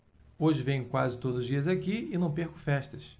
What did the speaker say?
hoje venho quase todos os dias aqui e não perco festas